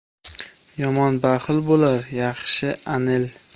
yomon baxil bo'lar yaxshi anil